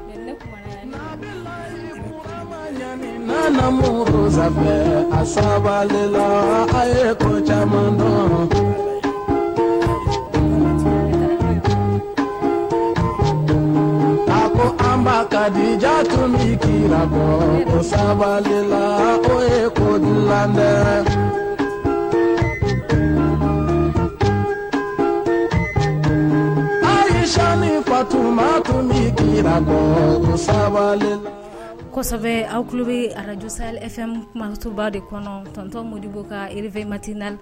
Ba yanin nanamsɛbɛ saba le la a ye ko caman ba ko anba kadija tun saba la ko ye ko la ayi sɔni fa tuma tun bɛ ki saba kosɛbɛ aw tulo bɛ arajsa fɛn masoba de kɔnɔtɔntɔn mori bɔ ka pmati naani